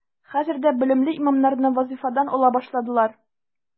Хәзер дә белемле имамнарны вазифадан ала башладылар.